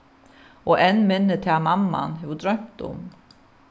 og enn minni tað mamman hevur droymt um